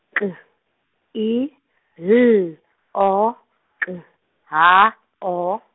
K I L O K H O.